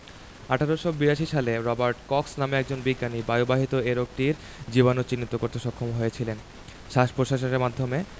১৮৮২ সালে Robert Cox নামে একজন বিজ্ঞানী বায়ুবাহিত এ রোগটির জীবাণু চিহ্নিত করতে সক্ষম হয়েছিলেন শ্বাস প্রশ্বাসের মাধ্যমে